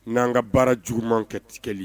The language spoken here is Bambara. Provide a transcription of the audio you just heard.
N'an ka baara juguman kɛli